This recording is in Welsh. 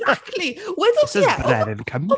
Exactly! This is Brenin Cymru.